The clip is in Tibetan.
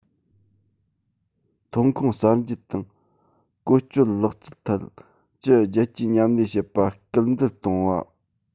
ཐོན ཁུངས གསར འབྱེད དང བཀོལ སྤྱོད ལག རྩལ ཐད ཀྱི རྒྱལ སྤྱིའི མཉམ ལས བྱེད པར སྐུལ འདེད གཏོང བ